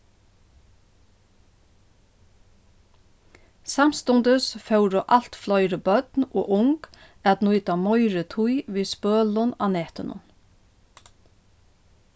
samstundis fóru alt fleiri børn og ung at nýta meiri tíð við spølum á netinum